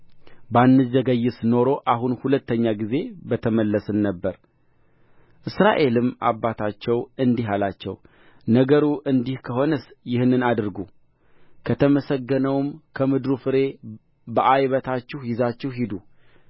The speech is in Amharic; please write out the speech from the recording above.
ባንዘገይስ ኖሮ አሁን ሁለተኛ ጊዜ በተመለስን ነበር እስራኤልም አባታቸው እንዲህ አላቸው ነገሩ እንዲህ ከሆነስ ይህንን አድርጉ ከተመሰገነው ከምድሩ ፍሬ በዓይበታችሁ ይዛችሁ ሂዱ